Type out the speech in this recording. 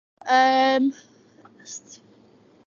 Yym